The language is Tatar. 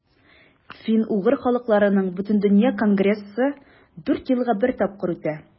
Фин-угыр халыкларының Бөтендөнья конгрессы дүрт елга бер тапкыр үтә.